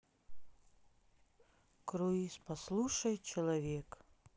круиз послушай человек